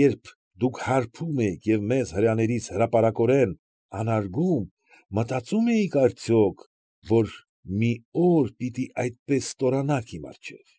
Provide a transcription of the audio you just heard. Երբ դուք հարբում էիք և մեզ հրեաներիս հրապարակորեն անարգում, մտածո՞ւմ էիք, արդյոք, որ մի օր պիտի այդպես ստորանաք իմ առջև։